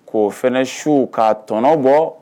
K koo fana su k'a tɔnɔ bɔ